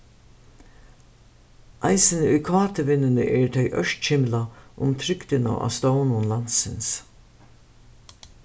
eisini í kt-vinnuni eru tey ørkymlað um trygdina á stovnum landsins